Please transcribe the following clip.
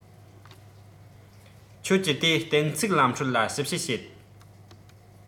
ཁྱོད ཀྱིས དེ གཏན ཚིགས ལམ སྲོལ ལ ཞིབ དཔྱད བྱེད